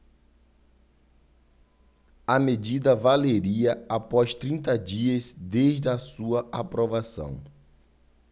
a medida valeria após trinta dias desde a sua aprovação